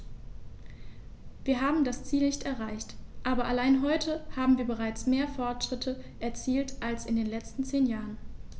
Wir haben das Ziel nicht erreicht, aber allein heute haben wir bereits mehr Fortschritte erzielt als in den letzten zehn Jahren.